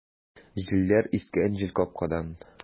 Җилләр искән җилкапкадан!